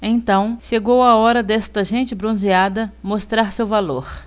então chegou a hora desta gente bronzeada mostrar seu valor